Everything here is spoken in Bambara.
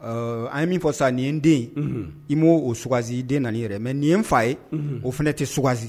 De a ye min fɔ sisan nin ye n den ye, unhun , i m 'o sugandi i den nana i yɛrɛ e, mais nin ye n fa ye o fana tɛ sugandi!